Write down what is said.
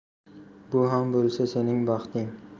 bu ham bo'lsa sening baxting